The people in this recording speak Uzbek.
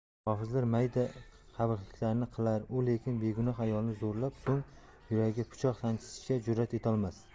hofizlar mayda qabihliklarni qilar u lekin begunoh ayolni zo'rlab so'ng yuragiga pichoq sanchishga jur'at etisholmas